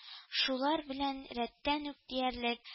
Шулар белән рәттән үк диярлек